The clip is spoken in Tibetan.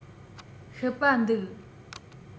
ཤི པ འདུག